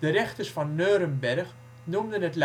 rechters van Neurenberg noemden het